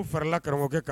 U farala karamɔgɔkɛ kan!